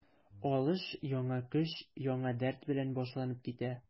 Алыш яңа көч, яңа дәрт белән башланып китә.